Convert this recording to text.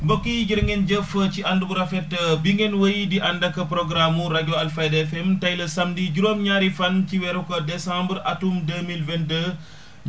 mbokk yi jërë ngeen jëf ci ànd gu rafet b ngeen wéy di ànd ak programme mu rajo Alfayda FM tey la smadi juróom-ñaari fan ci weeru decembre atum deux mille vingt deux